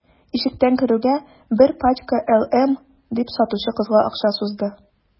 Ишектән керүгә: – Бер пачка «LM»,– дип, сатучы кызга акча сузды.